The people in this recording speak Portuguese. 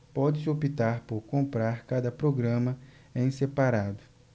pode-se optar por comprar cada programa em separado